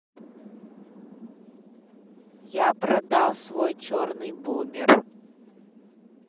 я продал свой черный бумер